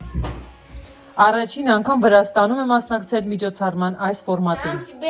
Առաջին անգամ Վրաստանում է մասնակցել միջոցառման այս ֆորմատին.